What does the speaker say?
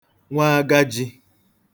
nwaagadhī